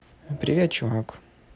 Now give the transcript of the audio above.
привет чувак